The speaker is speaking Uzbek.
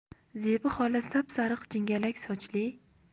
zebi xola sap sariq jingalak sochli